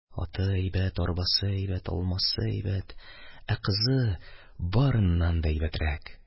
Аты әйбәт, арбасы әйбәт, алмасы әйбәт, ә кызы барыннан да әйбәтрәк.